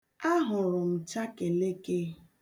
Ahụrụ m chakeleke.